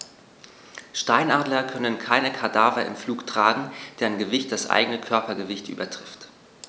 Steinadler können keine Kadaver im Flug tragen, deren Gewicht das eigene Körpergewicht übertrifft.